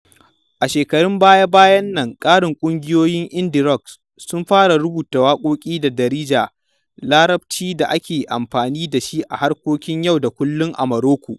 A shekarun baya-bayan nan, ƙarin ƙungiyoyin indie rock sun fara rubuta waƙoƙinsu da Darija, larabcin da ake amfani da shi a harkokin yau da kullum a Morocco.